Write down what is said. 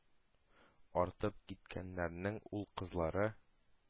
Артып киткәннәренең ул-кызлары